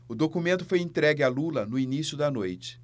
o documento foi entregue a lula no início da noite